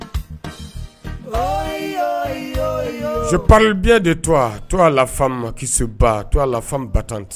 Ribiyɛn de to to la to la ba tan tɛ